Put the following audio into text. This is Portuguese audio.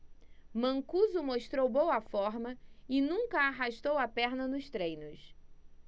mancuso mostrou boa forma e nunca arrastou a perna nos treinos